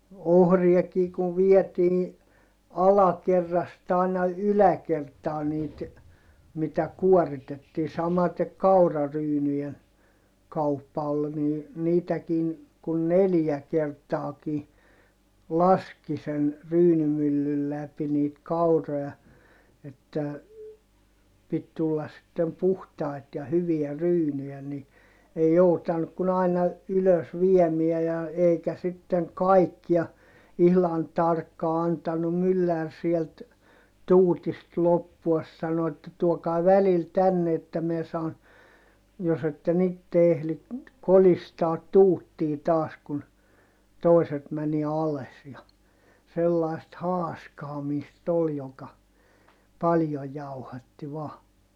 ohriakin kun vietiin alakerrasta aina yläkertaan niitä mitä kuoritettiin samaten kauraryynien kauppa oli niin niitäkin kun neljä kertaakin laski sen ryynimyllyn läpi niitä kauroja että piti tulla sitten puhtaita ja hyviä ryynejä niin ei joutanut kuin aina ylös viemään ja eikä sitten kaikkia ihan tarkkaan antanut mylläri sieltä tuutista loppua sanoi että tuokaa välillä tänne että minä saan jos että en itse ehdi kolistaa tuuttia taas kun toiset meni alas ja sellaista haaskaamista oli joka paljon jauhatti vain